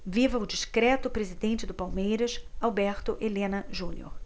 viva o discreto presidente do palmeiras alberto helena junior